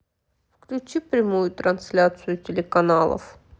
включи прямую трансляцию телеканалов